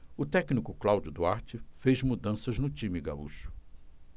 o técnico cláudio duarte fez mudanças no time gaúcho